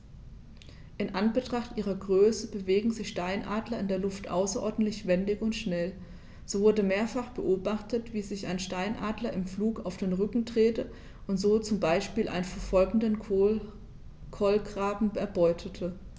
In Anbetracht ihrer Größe bewegen sich Steinadler in der Luft außerordentlich wendig und schnell, so wurde mehrfach beobachtet, wie sich ein Steinadler im Flug auf den Rücken drehte und so zum Beispiel einen verfolgenden Kolkraben erbeutete.